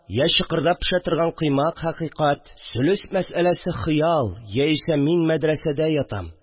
Йә чыкырдап пешә торган коймак хәкыйкать, сөлес мәсьәләсе хыял яисә мин мәдрәсәдә ятам